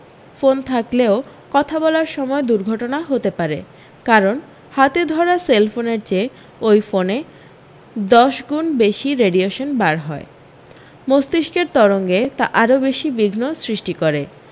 phone থাকলেও কথা বলার সময় দুর্ঘটনা হতে পারে কারণ হাতে ধরা সেলফোনের চেয়ে ওই ফোনে দশগুণ বেশী রেডিয়েশন বার হয় মস্তিষ্কের তরঙ্গে তা আরও বেশী বিঘ্ন সৃষ্টি করে